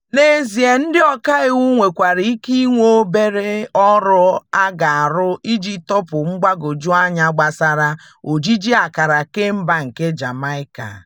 N'ezie, ndị ọka iwu nwekwara ike inwe obere ọrụ a ga-arụ iji tọpụ mgbagwoju anya gbasara ojiji ákàrà kemba nke Jamaica.